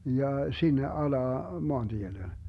ja sinne alas maantielle